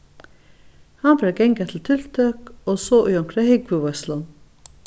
hann fer at ganga til tiltøk og so í onkra húgvuveitslu